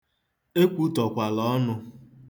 Ekwutọkwala ọnụ.